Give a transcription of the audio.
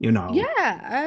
You know?... Ie.